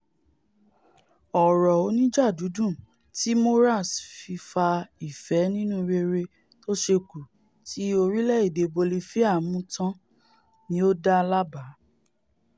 Ọ̀rọ̀ oníjà dúndùn ti Morales ti fa ìfẹ́ inú rere tóṣékù ti orílẹ̀-èdè Bolifia mu tán, ni ó dá láàbá.